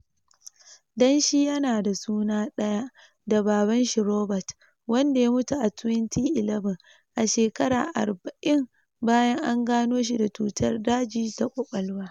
Dan shi yana da suna daya da baban shi Robert, wanda ya mutu a 2011 a shekara 40 bayan an gano shi da cutar daji ta kwakwalwa.